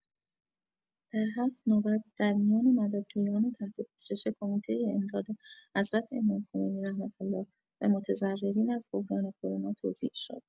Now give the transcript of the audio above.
در ۷ نوبت در میان مددجویان تحت پوشش کمیته امداد حضرت امام‌خمینی (ره) و متضررین از بحران کرونا توزیع شد.